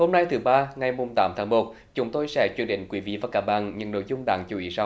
hôm nay thứ ba ngày mùng tám tháng một chúng tôi sẽ chuyển đến quý vị và các bạn những nội dung đáng chú ý sau